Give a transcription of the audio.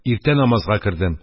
Иртә намазга кердем.